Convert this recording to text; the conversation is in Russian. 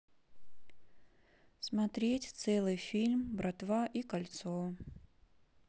смотреть целый фильм братва и кольцо